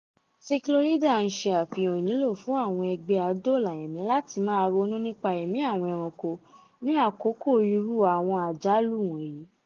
Cyclone Idai ń ṣe àfihàn ìnílò fún àwọn ẹgbẹ́ adóòlà-ẹ̀mí láti máa ronú nípa ẹ̀mí àwọn ẹranko ní àkókò irú àwọn àjálù ìwọ̀n yìí.